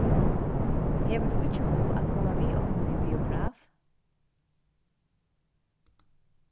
hevur tú ikki hug at koma við okkum í biograf